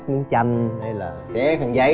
chanh hay là xé khăn giấy